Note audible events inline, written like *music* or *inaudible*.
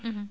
*hesitation* *hesitation*